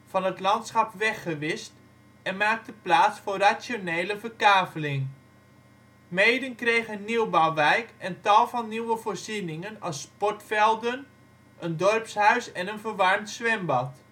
van het landschap weggewist en maakte plaats voor rationele verkaveling. Meeden kreeg een nieuwbouwwijk en tal van nieuwe voorzieningen als sportvelden, een dorpshuis en een verwarmd zwembad